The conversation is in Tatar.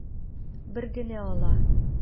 Бер генә ала.